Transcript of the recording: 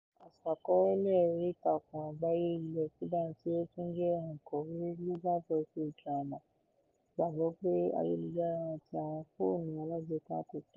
Aṣàkọọ́lẹ̀ oríìtakùn àgbáyé ilẹ̀ Sudan tí ó tún jẹ́ òǹkọ̀wé Global Voices Drima gbàgbọ́ pé Ayélujára àti àwọn fóònù alágbèéká kò tó.